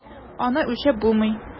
Аны үлчәп булмый.